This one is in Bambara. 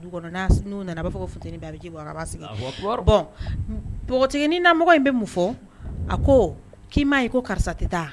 Duu nana b'a fɔ ft b bɛ ji'a sigi npogotigiinin namɔgɔ in bɛ mun fɔ a ko k'i m ma ye ko karisa tɛ taa